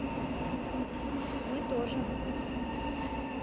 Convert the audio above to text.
мы тоже